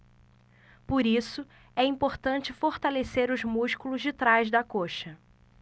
por isso é importante fortalecer os músculos de trás da coxa